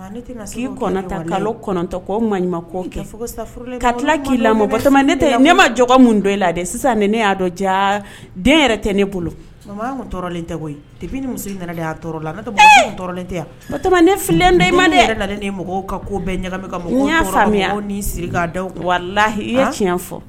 Tata kɔ ka k'i lamɔ ne tɛ ne ma min la sisan ni ne y'a dɔn ja den yɛrɛ tɛ ne bolo tɛ ne bɛɛ ɲaga'a siri dawa i ye tiɲɛ fɔ